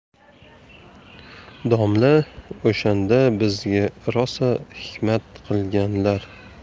domla o'shanda bizga rosa himmat qilganlar